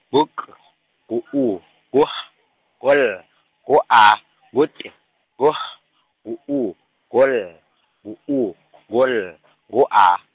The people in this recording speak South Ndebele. ngu K , ngu U, ngu H, ngu L, ngu A, ngu T, ngu H, ngu U, ngu L, ngu U , ngu L, ngu A.